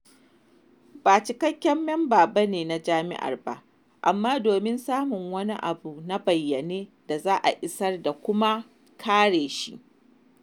Ba cikakken mamba ne na jam'iyyar ba, amma domin samun wani abu na bayyane da za a isar da kuma kare shi''.